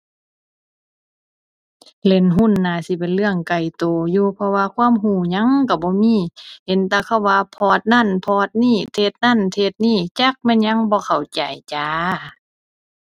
เล่นหุ้นน่าสิเป็นเรื่องไกลตัวอยู่เพราะว่าความตัวหยังตัวบ่มี เห็นแต่เขาว่าพอร์ตนั้นพอร์ตนี้ เทรดนั้นเทรดนี้จักแม่นหยังบ่เข้าใจจ้า